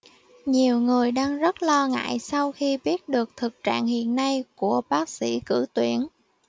nhiều người đang rất lo ngại sau khi biết được thực trạng hiện nay của bác sĩ cử tuyển